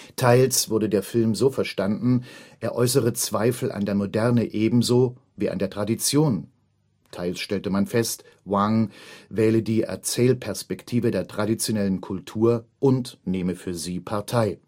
Teils wurde der Film so verstanden, er äußere Zweifel an der Moderne ebenso wie an der Tradition, teils stellte man fest, Wang wähle die Erzählperspektive der traditionellen Kultur und nehme für sie Partei